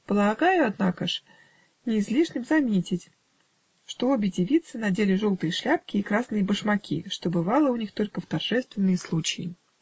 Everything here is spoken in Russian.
Полагаю, однако ж, не излишним заметить, что обе девицы надели желтые шляпки и красные башмаки, что бывало у них только в торжественные случаи.